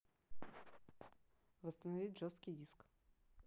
восстановить жесткий диск